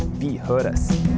vi høres.